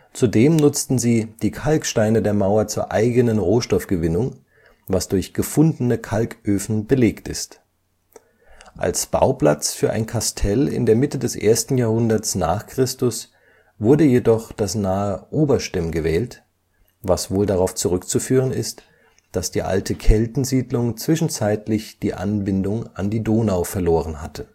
Zudem nutzten sie die Kalksteine der Mauer zur eigenen Rohstoffgewinnung, was durch gefundene Kalköfen belegt ist. Als Bauplatz für ein Kastell in der Mitte des 1. Jahrhunderts n. Chr. wurde jedoch das nahe Oberstimm gewählt, was wohl darauf zurückzuführen ist, dass die alte Keltensiedlung zwischenzeitlich die Anbindung an die Donau verloren hatte